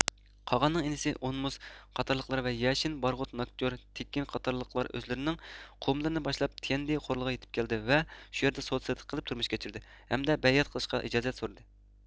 قاغاننىڭ ئىنىسى ئونمۇس قاتارلىقلار ۋە يەشىن بارغۇت ناگچۇر تېكىن قاتارلىقلار ئۆزلىرىنىڭ قوۋمىلىرىنى باشلاپ تيەندې قورۇلىغا يېتىپ كەلدى ۋە شۇ يەردە سودا سېتىق قىلىپ تۇرمۇش كەچۈردى ھەمدە بەيئەت قىلىشقا ئىجازەت سورىدى